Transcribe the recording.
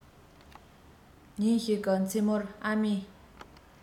ཉིན ཞིག གི མཚན མོར ཨ མས